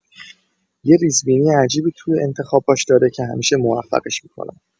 یه ریزبینی عجیبی تو انتخاباش داره که همیشه موفقش می‌کنه.